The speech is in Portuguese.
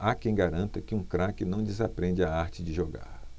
há quem garanta que um craque não desaprende a arte de jogar